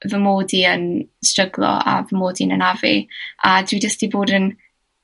fy mod i yn stryglo a fy mod i'n anafu, a dw i dyst 'di bod yn